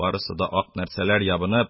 Барысы да ак нәрсәләр ябынып,